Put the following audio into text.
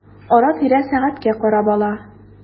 Ара-тирә сәгатькә карап ала.